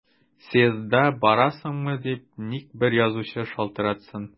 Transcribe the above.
Съездга барасыңмы дип ник бер язучы шалтыратсын!